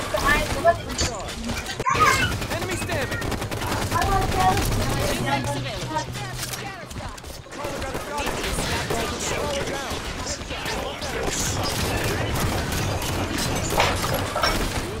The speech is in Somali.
Meeshaan waxaa fadhiyaan naago wataan dhar diidhaqan oo midabkoodi ay guduuti jaalo wayna ciyaarayaan